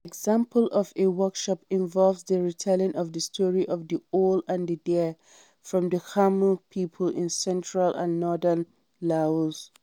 An example of a workshop involves the retelling of the story of "The Owl and the Deer" from Kmhmu’ people in central and northern Laos.